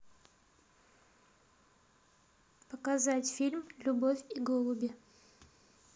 показать фильм любовь и голуби